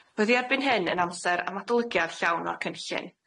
Byddi erbyn hyn yn amser am adolygiad llawn o'r cynllun.